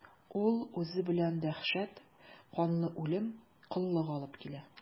Ул үзе белән дәһшәт, канлы үлем, коллык алып килә.